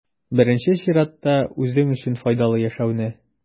Беренче чиратта, үзең өчен файдалы яшәүне.